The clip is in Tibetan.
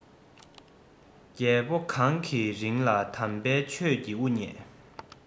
རྒྱལ པོ གང གི རིང ལ དམ པའི ཆོས ཀྱི དབུ བརྙེས